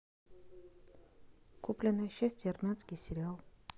купленное счастье армянский сериал